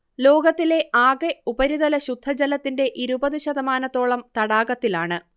ലോകത്തിലെ ആകെ ഉപരിതല ശുദ്ധജലത്തിന്റെ ഇരുപത് ശതമാനത്തോളം തടാകത്തിലാണ്